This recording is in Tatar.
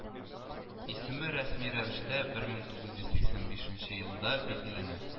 Исеме рәсми рәвештә бер мең тугыз йөз сиксән бишенче елда билгеләнә